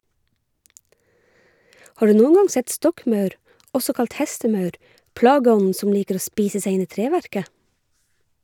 Har du noen gang sett stokkmaur, også kalt hestemaur, plageånden som liker å spise seg inn i treverket?